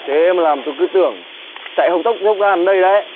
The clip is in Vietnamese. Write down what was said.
thế mà làm tôi cứ tưởng chạy hộc tốc dốc ra đến đây đấy